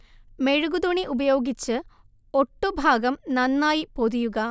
മെഴുകു തുണി ഉപയോഗിച്ച് ഒട്ടു ഭാഗം നന്നായി പൊതിയുക